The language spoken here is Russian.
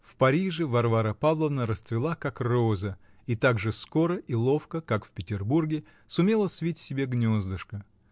В Париже Варвара Павловна расцвела, как роза, и так же скоро и ловко, как в Петербурге, сумела свить себе гнездышко.